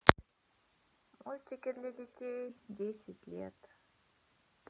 мультики для детей десять лет